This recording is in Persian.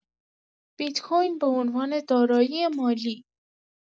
بیت‌کوین به‌عنوان دارایی مالی